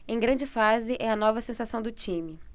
em grande fase é a nova sensação do time